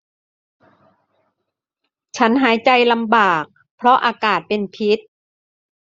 ฉันหายใจลำบากเพราะอากาศเป็นพิษ